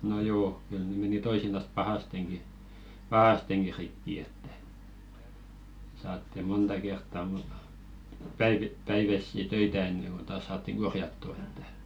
no joo kyllä ne meni toisinaan pahastikin pahastikin rikki että saatiin monta kertaa moni - päiväisiä töitä ennen kuin taas saatiin korjattua että